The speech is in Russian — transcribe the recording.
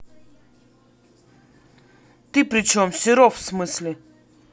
ты причем серов в смысле